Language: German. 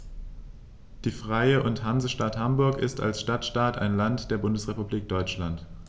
Die Freie und Hansestadt Hamburg ist als Stadtstaat ein Land der Bundesrepublik Deutschland.